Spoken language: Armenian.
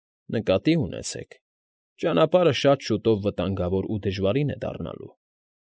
Նկատի ունեցեք, ճանապարհը շատ շուտով վտանգավոր ու դժվարին է դառնալու։